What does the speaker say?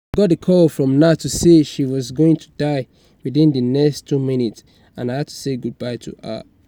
"Then I got the call from Nad to say she was going to die within the next two minutes and I had to say goodbye to her.